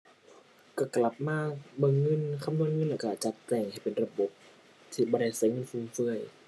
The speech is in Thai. ก็กลับมาเบิ่งเงินคำนวณเงินแล้วก็จัดแจงให้เป็นระบบ สิบ่ได้ก็เงินฟุ่มเฟือย